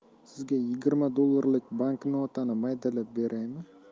sizga yigirma dollarlik banknotani maydalab beraymi